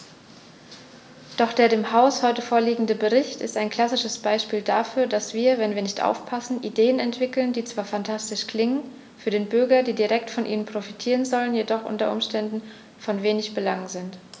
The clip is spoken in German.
Doch der dem Haus heute vorliegende Bericht ist ein klassisches Beispiel dafür, dass wir, wenn wir nicht aufpassen, Ideen entwickeln, die zwar phantastisch klingen, für die Bürger, die direkt von ihnen profitieren sollen, jedoch u. U. von wenig Belang sind.